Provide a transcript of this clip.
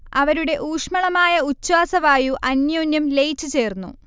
അവരുടെ ഊഷ്മളമായ ഉച്ഛ്വാസവായു അന്യോന്യം ലയിച്ചു ചേർന്നു